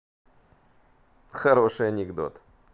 хороший анекдот